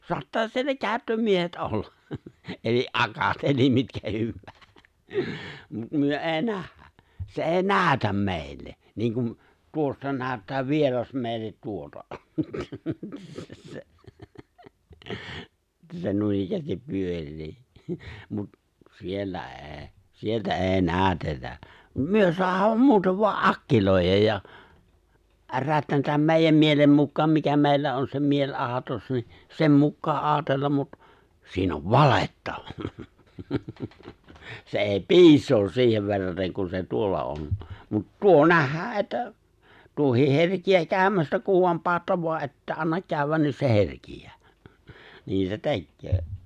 saattaa siellä käyttömiehet olla eli akat eli mitkä hyvänsä mutta me ei nähdä se ei näytä meille niin kuin tuossa näyttää vieras meille tuota että se noinikään pyörii mutta siellä ei sieltä ei näytetä me saadaan muuten vain akkiloida ja rätnätä meidän mielen mukaan mikä meillä on se mieliaatos niin sen mukaan ajatella mutta siinä on valetta se ei piisaa siihen verraten kun se tuolla on mutta tuo nähdään että tuokin herkeää käymästä kun vain panette vaan ette anna käydä niin se herkeää niin se tekee